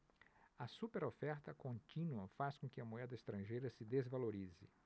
a superoferta contínua faz com que a moeda estrangeira se desvalorize